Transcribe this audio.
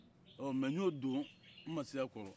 mɛ n y'o don n ma se a kɔrɔ